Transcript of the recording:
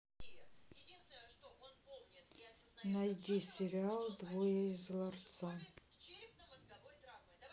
найди сериал двое из ларца